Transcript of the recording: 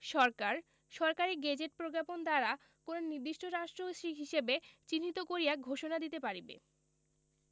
সরকার সরকারী গেজেট প্রজ্ঞাপন দ্বারা কোন নির্দিষ্ট রাষ্ট্র হিসাবে চিহ্নিত করিয়া ঘোষণা দিতে পারিবে